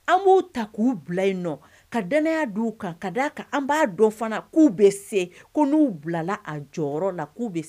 An b'u ta k'u bila in nɔ kaya u kan ka kan an b'a dɔ fana k'u bɛ se ko n'u bilala a jɔyɔrɔ k'u bɛ